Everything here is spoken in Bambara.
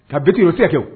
Ka ben ten o tɛ se ka kɛ wo